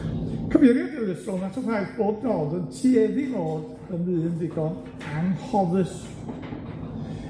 Cyfeiriwyd at y ffaith bod Dodd yn tueddu i fod yn ddyn ddigon anghofus.